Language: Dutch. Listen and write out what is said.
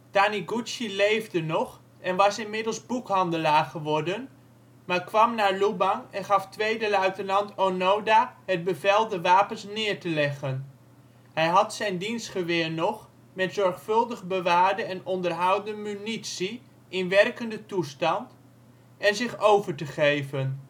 Taniguchi leefde nog en was inmiddels boekhandelaar geworden, maar kwam naar Lubang en gaf tweede luitenant Onoda het bevel de wapens neer te leggen (hij had zijn dienstgeweer nog, met zorgvuldig bewaarde en onderhouden munitie, in werkende toestand) en zich over te geven